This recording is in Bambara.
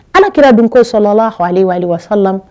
Alakira dun ko soli ala wa aleïhi wa salam